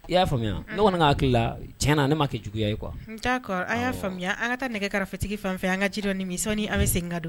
I y'a faamuya ne kɔni' hakili la tiɲɛna na ne ma kɛ juguya ye kuwa'a kɔrɔ a y'a faamuya an ka taa nɛgɛfetigi fan fɛ an ka ci dɔn ni mi nisɔn an bɛ segin ka don